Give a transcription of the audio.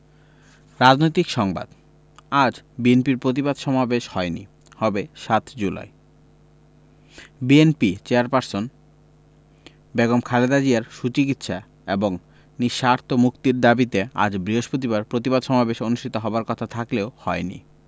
রাজনৈতিক সংবাদ আজ বিএনপির প্রতিবাদ সমাবেশ হয়নি হবে ৭ July BNP chairperson Begum Khaleda জিয়ার সুচিকিৎসা এবং নিঃশর্ত মুক্তির দাবিতে আজ বৃহস্পতিবার প্রতিবাদ সমাবেশ অনুষ্ঠিত হবার কথা থাকলেও হয়নি